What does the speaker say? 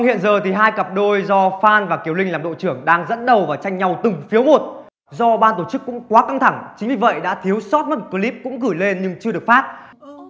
hiện giờ thì hai cặp đôi do phan và kiều linh làm đội trưởng đang dẫn đầu và tranh nhau từng phiếu một do ban tổ chức cũng quá căng thẳng chính vì vậy đã thiếu xót mất một cờ líp cũng gửi lên nhưng chưa được phát